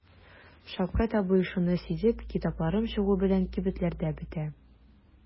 Шәүкәт абый шуны сизеп: "Китапларым чыгу белән кибетләрдә бетә".